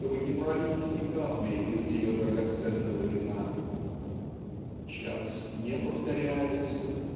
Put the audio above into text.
чтобы не пролить ни капли из ее драгоценного вина. "Час не повторяется"